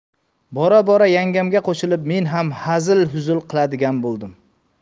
bora bora yangamga qo'shilib men ham hazil huzul qiladigan bo'ldim